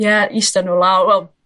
Ie ista nw law- wel,